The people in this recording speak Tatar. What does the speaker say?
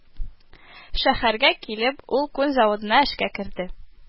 Шәһәргә килеп, ул күн заводына эшкә керде